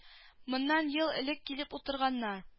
Моннан ел элек килеп утырганнар